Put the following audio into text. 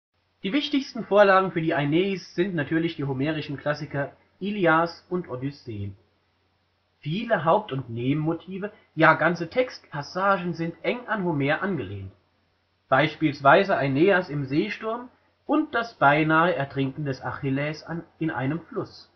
Die wichtigsten Vorlagen für die Aeneis sind natürlich die homerischen Klassiker Ilias und Odyssee. Viele Haupt - und Nebenmotive, ja ganze Textpassagen sind eng an Homer angelehnt (beispielsweise Aeneas im Seesturm und das Beinahe-Ertrinken des Achilles in einem Fluss